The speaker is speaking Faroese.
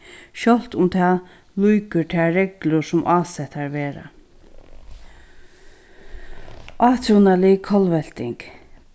sjálvt um tað lýkur tær reglur sum ásettar verða átrúnaðarlig kollvelting